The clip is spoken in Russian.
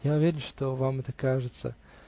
Я уверен, что вам это кажется.